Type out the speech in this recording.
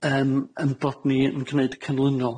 yym 'yn bod ni yn gneud y canlynol.